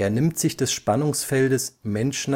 nimmt sich des Spannungsfeldes Mensch